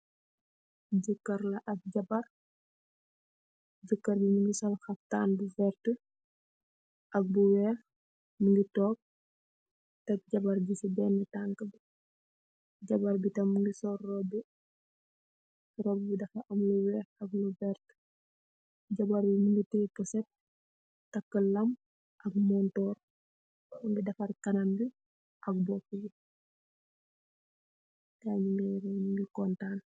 jehkeer ak jabaar yuu ndiro yehreh bu weerta.